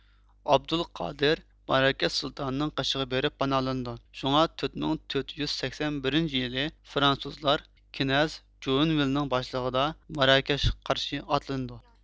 ئابدۇل قادىر ماراكەش سۇلتانىنىڭ قېشىغا بېرىپ پاناھلىنىدۇ شۇڭا تۆت مىڭ تۆت يۈز سەكسەن بىرىنچى يىلى فرانسۇزلار كېنەز جوئىنۋىلېنىڭ باشچىلىقىدا ماراكەشكە قارشى ئاتلىنىدۇ